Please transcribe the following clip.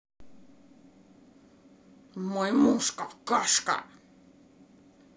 мой муж какашка